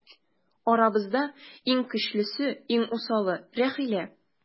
Арабызда иң көчлесе, иң усалы - Рәхилә.